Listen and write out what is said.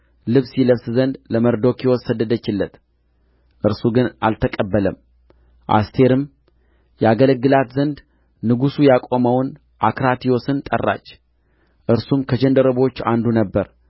ልብስ ይለብስ ዘንድ ለመርዶክዮስ ሰደደችለት እርሱ ግን አልተቀበለም አስቴርም ያገለግላት ዘንድ ንጉሡ ያቆመውን አክራትዮስን ጠራች እርሱም ከጃንደረቦች አንዱ ነበረ